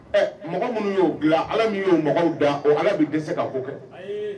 Makan minnu y'o bila ala y'o da o ala bɛ dɛsɛ se ka ko kɛ